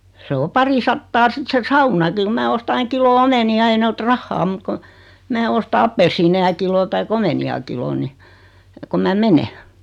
se on parisataa sitten se saunakin kun minä ostan aina kilon omenia ei ne ota rahaa mutta kun minä ostan appelsiineja kilon tai omenia kilon niin kun minä menen